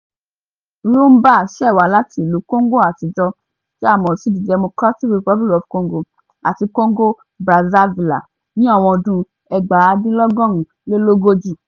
Rhumba ṣẹ̀ wá láti ìlú Kongo àtijọ́ tí a mọ̀ sí The Democratic Republic of Congo àti Congo-Brazaville ní àwọn ọdún 1940.